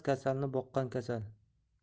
kasalni boqqan kasal